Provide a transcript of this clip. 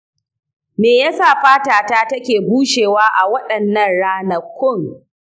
me yasa fata ta take bushewa a waɗannan ranakun?